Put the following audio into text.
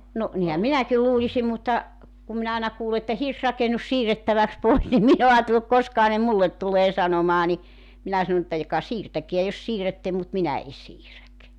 no niinhän minäkin luulisin mutta kun minä aina kuulen että hirsirakennus siirrettäväksi pois niin minä olen ajatellut koskahan ne minulle tulee sanomaan niin minä sanon että joka siirtäkää jos siirrätte mutta minä en siirrä